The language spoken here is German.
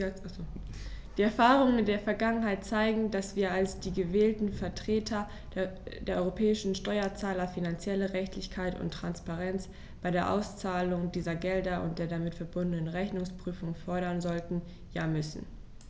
Die Erfahrungen der Vergangenheit zeigen, dass wir als die gewählten Vertreter der europäischen Steuerzahler finanzielle Redlichkeit und Transparenz bei der Auszahlung dieser Gelder und der damit verbundenen Rechnungsprüfung fordern sollten, ja müssen.